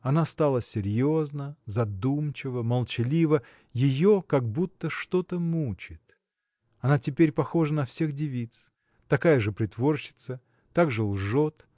Она стала серьезна, задумчива, молчалива. Ее как будто что-то мучит. Она теперь похожа на всех девиц такая же притворщица так же лжет